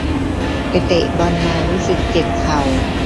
ไปเตะบอลมารู้สึกเจ็บเข่า